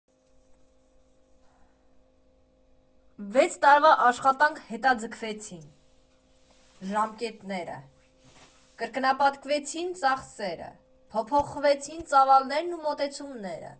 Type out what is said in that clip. Վեց տարվա աշխատանք Հետաձգվեցին ժամկետները, կրկնապատկվեցին ծախսերը, փոփոխվեցին ծավալներն ու մոտեցումները։